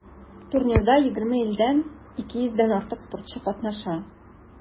Турнирда 20 илдән 200 дән артык спортчы катнаша.